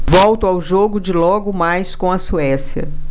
volto ao jogo de logo mais com a suécia